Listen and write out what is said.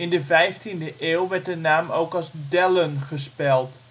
de vijftiende eeuw werd de naam ook als Dellen gespeld